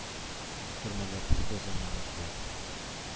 Төрмәләрнең бозын имезде,